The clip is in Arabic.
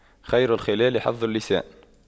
خير الخلال حفظ اللسان